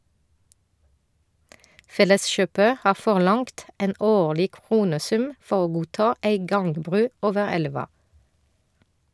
Felleskjøpet har forlangt en årlig kronesum for å godta ei gangbru over elva.